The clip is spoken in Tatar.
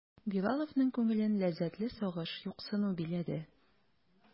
Билаловның күңелен ләззәтле сагыш, юксыну биләде.